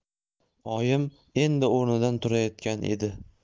oyim endi o'rnidan turayotgan edi